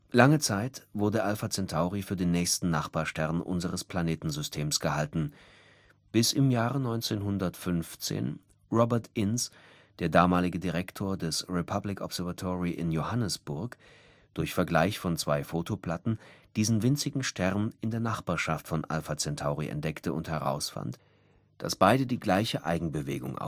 Lange Zeit wurde Alpha Centauri für den nächsten Nachbarstern unseres Planetensystems gehalten, bis im Jahre 1915 Robert Innes, der damalige Direktor des Republic Observatory in Johannesburg, durch Vergleich von zwei Photoplatten diesen winzigen Stern in der Nachbarschaft von Alpha Centauri entdeckte und herausfand, dass beide die gleiche Eigenbewegung